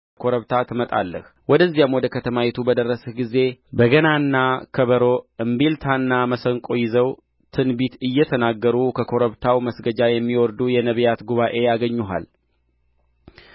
ኮረብታ ትመጣለህ ወደዚያም ወደ ከተማይቱ በደረስህ ጊዜ በገናና ከበሮ እምቢልታና መሰንቆ ይዘው ትንቢት እየተናገሩ ከኮረብታው መስገጃ የሚወርዱ የነቢያት ጉባኤ ያገኙሃል